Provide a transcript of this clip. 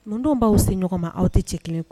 Denw b'aw se ɲɔgɔn ma aw tɛ cɛ kelen kɔ